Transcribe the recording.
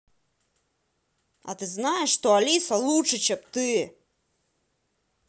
а ты знаешь что алиса лучше чем ты